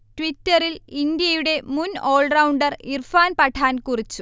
ട്വിറ്ററിൽ ഇന്ത്യയുടെ മുൻ ഓൾറൗണ്ടർ ഇർഫാൻ പഠാൻ കുറിച്ചു